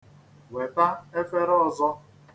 Weta efere ọzọ.